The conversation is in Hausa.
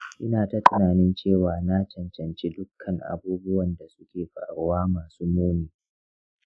ina ta tunanin cewa na cancanci dukkan abubuwan da suke faruwa masu muni.